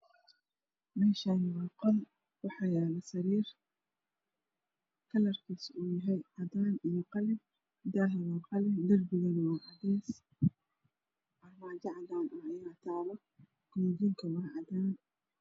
Meeshan waa qol waxa yaalo sariir kalarkiisa uu yahay cadaan ama qalin daaha waa qalin derbigana waa cadees waxaa taalo armaajo cadaan ah kubidinka waa cadaan